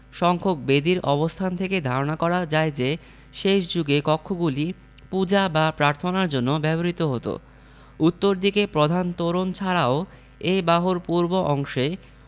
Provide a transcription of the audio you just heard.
সংখ্যক বেদির অবস্থান থেকে ধারণা করা যায় যে শেষ যুগে কক্ষগুলি পূজা বা প্রার্থনার জন্য ব্যবহৃত হতো উত্তরদিকে প্রধান তোরণ ছাড়াও এ বাহুর পূর্ব অংশে